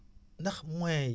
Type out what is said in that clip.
ndax moyens yi